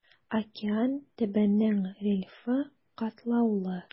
Океан төбенең рельефы катлаулы.